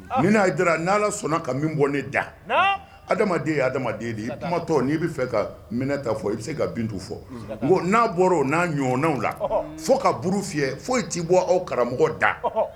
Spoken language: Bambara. Ne Hayidara ,n allah sɔnna ka min bɔ ne da, naamu, adamaden ye adamaden de ye i kumatɔ la n'i bɛ fɛ ka Minɛta fɔ i bɛ se ka Bintu fɔ, sika t'a la, n'a bɔra o n'a ɲɔgɔnw la, ɔhɔ, fo ka buru fiɲɛ foyi tɛ bɔ aw karamɔgɔ da